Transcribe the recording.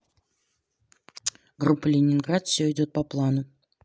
группа ленинград все идет по плану